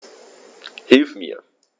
Hilf mir!